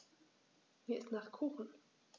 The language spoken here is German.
Mir ist nach Kuchen.